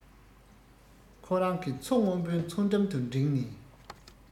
ཁོ རང གི མཚོ སྔོན པོའི མཚོ འགྲམ དུ འགྲེངས ནས